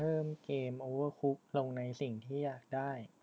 เพิ่มเกมโอเวอร์ลงในสิ่งที่อยากได้